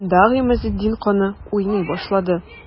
Анда Гыймазетдин каны уйный башлады.